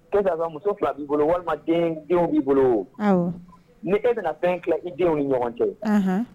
E muso fila b'i bolo walima denw b'i bolo ne e bɛna fɛn fila i denw ni ɲɔgɔn cɛ